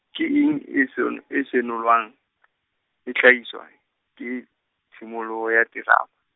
ke eng e seon-, e senolwang , e hlahiswa ke tshimoloho ya terama.